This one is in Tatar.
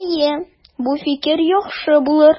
Әйе, бу фикер яхшы булыр.